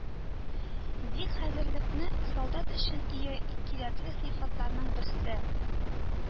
Зик хәзерлекнеө солдат өчен иө кирәкле сыйфатларныө берсе